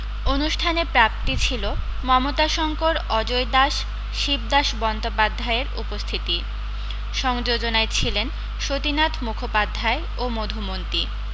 অনুষ্ঠানের প্রাপ্তি ছিল মমতাশঙ্কর অজয় দাস শিবদাস বন্দ্যোপাধ্যায় এর উপস্থিতি সংযোজনায় ছিলেন সতীনাথ মুখোপাধ্যায় ও মধুমন্তী